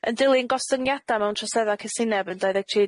Yn dilyn gostyngiada mewn trosedda cysineb yn dau ddeg tri